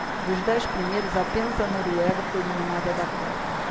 dos dez primeiros apenas a noruega foi eliminada da copa